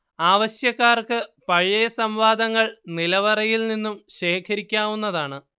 ആവശ്യക്കാർക്ക് പഴയ സംവാദങ്ങൾ നിലവറയിൽ നിന്നും ശേഖരിക്കാവുന്നതാണ്